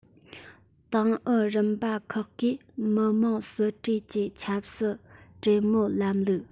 ཏང ཨུ རིམ པ ཁག གིས མི དམངས སྲིད གྲོས ཀྱི ཆབ སྲིད གྲོས མོལ ལམ ལུགས